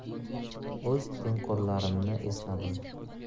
o'z tengqurlarimni esladim